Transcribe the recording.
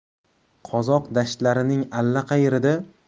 qozoq dashtlarining allaqayerida